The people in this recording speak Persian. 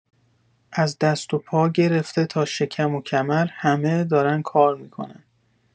از دست و پا گرفته تا شکم و کمر، همه دارن کار می‌کنن.